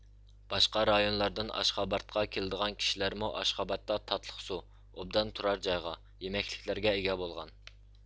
باشقا رايونلاردىن ئاشخاباردقا كېلىدىغان كىشىلەرمۇ ئاشخابادتا تاتلىق سۇ ئوبدان تۇرار جايغا يېمەكلىكلەرگە ئىگە بولغان